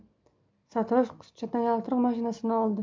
sartarosh qutichadan yaltiroq mashinasini oldi